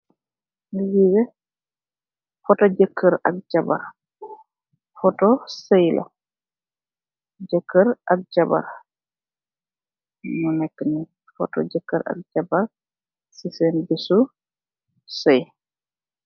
Li photo jekarr ak jabarr photo seey la jekarr ak jabarr nyu neka ni photo jekarr ak jabarr si sen besi seey.